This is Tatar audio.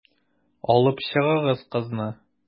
Алып чыгыгыз кызны.